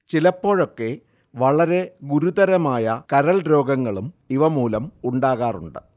ചിലപ്പോഴൊക്കെ വളരെ ഗുരുതരമായ കരൾരോഗങ്ങളും ഇവ മൂലം ഉണ്ടാകാറുണ്ട്